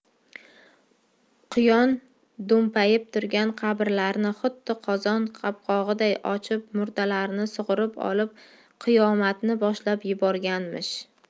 quyun do'mpayib turgan qabrlarni xuddi qozon qopqog'iday ochib murdalarni sug'urib olib qiyomatni boshlab yuborganmish